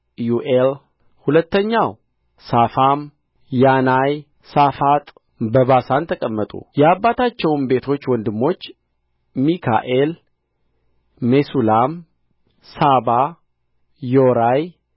ዮኤል ሁለተኛው ሳፋም ያናይ ሳፋጥ በበሳን ተቀመጡ የአባቶቻቸውም ቤቶች ወንድሞች ሚካኤል ሜሱላም ሳባ ዮራይ